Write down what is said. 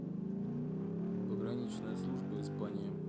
пограничная служба испания